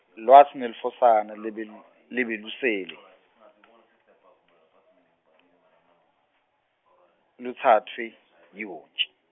lwatsi nelufosana lebel- lebelisele , lutsatfwe, yihhontji.